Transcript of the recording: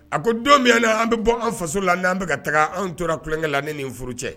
A ko don an bɛ bɔ an faso la an bɛ bɛka ka taga an tora kulunkɛ la ni nin furu cɛ.